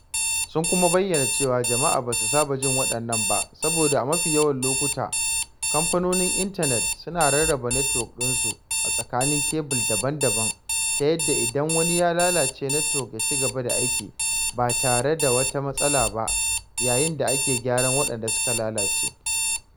Sun kuma bayyana cewa jama’a ba su saba jin waɗannan ba, saboda a mafi yawan lokuta, kamfanonin intanet suna rarraba netwok ɗinsu a tsakanin kebul daban-daban, ta yanda idan wani ya lalace, netwok yaci gaba da aiki ba tare da wata matsala ba yayin da ake gyaran waɗanda suka lalace.